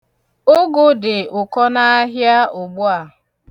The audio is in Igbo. Ụgụ dị ụkọ n'ahịa ugbu a.